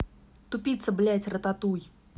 тупица блядь рататуй